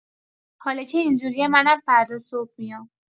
حالا که اینجوریه منم فردا صبح میام.